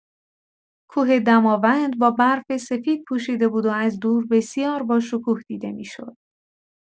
کوه دماوند با برف سفید پوشیده بود و از دور بسیار باشکوه دیده می‌شد.